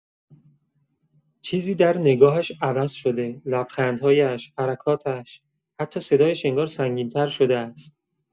چیزی در نگاهش عوض شده، لبخندهایش، حرکاتش، حتی صدایش انگار سنگین‌تر شده است.